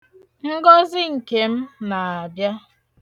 Ngọzị nke m na-abịa.